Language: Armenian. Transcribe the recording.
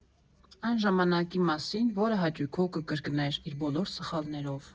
Այն ժամանակի մասին, որը հաճույքով կկրկներ՝ իր բոլոր սխալներով։